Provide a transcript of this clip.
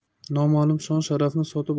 noma'lum shon sharafni sotib